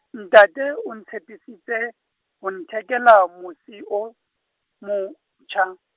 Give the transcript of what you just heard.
ntate o tshepisitse, ho nthekela mose o, motjha.